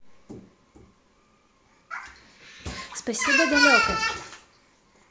спасибо далекой